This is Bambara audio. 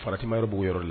Farati yɛrɛ bugu yɔrɔ la